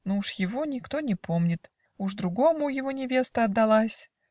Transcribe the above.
но уж его Никто не помнит, уж другому Его невеста отдалась.